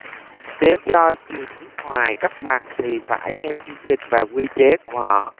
nếu do trường nước ngoài cấp bằng thì phải theo chương trình và quy chế của họ